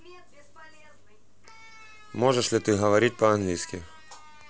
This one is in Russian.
можешь ли ты говорить по английски